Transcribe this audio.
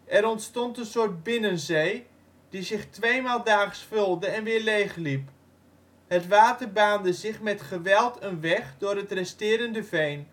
Er ontstond een soort binnenzee, die zich tweemaal daags vulde en weer leegliep. Het water baande zich met geweld een weg door het resterende veen